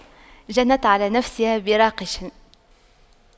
جنت على نفسها براقش